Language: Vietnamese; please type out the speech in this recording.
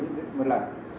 một lần